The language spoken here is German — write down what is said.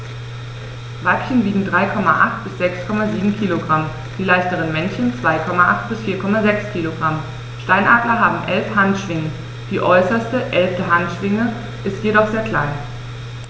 Weibchen wiegen 3,8 bis 6,7 kg, die leichteren Männchen 2,8 bis 4,6 kg. Steinadler haben 11 Handschwingen, die äußerste (11.) Handschwinge ist jedoch sehr klein.